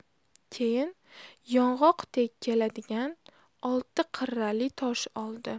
keyin yong'oqdek keladigan olti qirrali tosh oldi